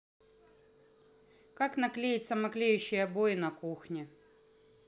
как наклеить самоклеющие обои на кухне